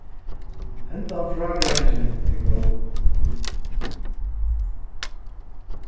hendan frágreiðingin er góð